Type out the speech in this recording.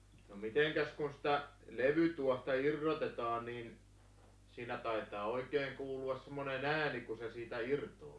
no miten kun sitä levytuohta irrotetaan niin siinä taitaa oikein kuulua semmoinen ääni kun se siitä irtoaa